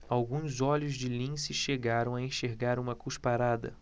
alguns olhos de lince chegaram a enxergar uma cusparada